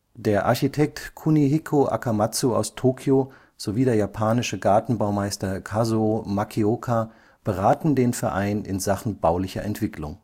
Der Architekt Kunihiko Akamatsu aus Tokio sowie der japanische Gartenbaumeister Kazuo Makioka beraten den Verein in Sachen baulicher Entwicklung